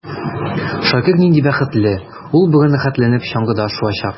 Шакир нинди бәхетле: ул бүген рәхәтләнеп чаңгыда шуачак.